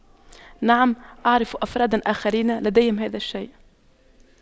نعم اعرف أفراد آخرين لديهم هذا الشيء